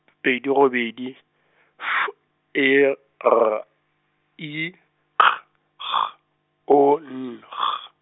pedi robedi, F, E, R, I, K, G, O N G.